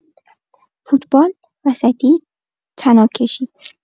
فوتبال، وسطی، طناب‌کشی.